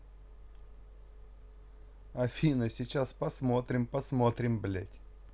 афина сейчас посмотрим посмотрим блядь